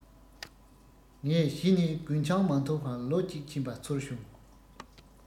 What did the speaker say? ངས གཞི ནས རྒུན ཆང མ འཐུང བར ལོ གཅིག ཕྱིན པ ཚོར བྱུང